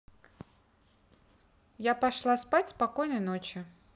я пошла спать спокойной ночи